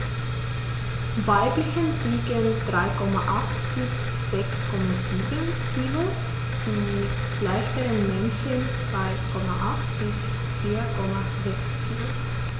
Weibchen wiegen 3,8 bis 6,7 kg, die leichteren Männchen 2,8 bis 4,6 kg.